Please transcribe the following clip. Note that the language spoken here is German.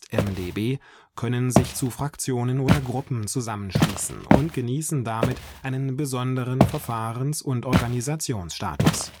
MdB) können sich zu Fraktionen oder Gruppen zusammenschließen und genießen damit einen besonderen Verfahrens - und Organisationsstatus